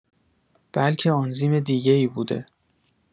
بلکه آنزیم دیگه‌ای بوده